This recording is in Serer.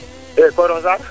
e kooroxe Sarr